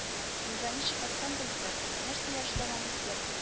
Юлда ничек кайтканбыздыр, нәрсәләр эшләгәнбездер